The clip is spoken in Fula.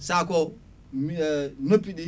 sac o mi noppiɗi